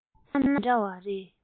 བསམ སྣང མི འདྲ རེ